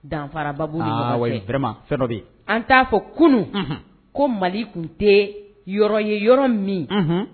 Danfarababuma bɛ yen an t'a fɔ kunun ko mali tun tɛ yɔrɔ ye yɔrɔ min